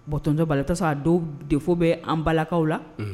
Bon tonton Bala i be taa sɔrɔ a dow b défaut bɛɛ an balakaw la unhun